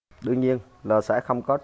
đương nhiên là sẽ không có